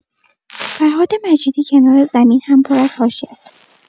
فرهاد مجیدی کنار زمین هم پر از حاشیه‌ست.